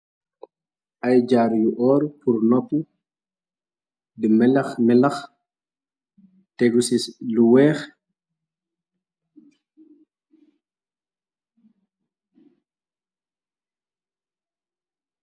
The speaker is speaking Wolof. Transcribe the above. Ay jaar yu oor pur nopp di melax tégu ci lu weex.